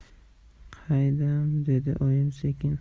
qaydam dedi oyim sekin